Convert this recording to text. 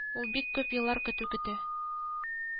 Иртәгә Казанда да яңгыр явуы ихтимал.